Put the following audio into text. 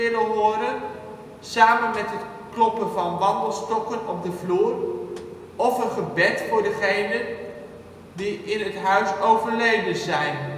horen, samen met het kloppen van wandelstokken op de vloer, of een gebed voor degenen die in het huis overleden zijn